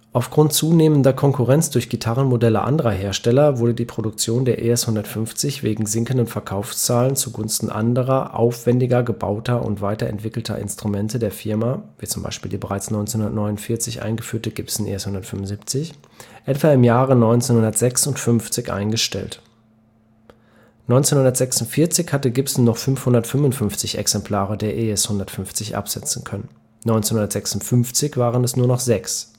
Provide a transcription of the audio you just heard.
Aufgrund zunehmender Konkurrenz durch Gitarrenmodelle anderer Hersteller wurde die Produktion der ES-150 wegen sinkender Verkaufszahlen zugunsten anderer, aufwendiger gebauter und weiterentwickelter Instrumente der Firma (wie zum Beispiel die bereits 1949 eingeführte Gibson ES-175) etwa im Jahre 1956 eingestellt. 1946 hatte Gibson noch 555 Exemplare der ES-150 absetzen können, 1956 waren es nur noch 6.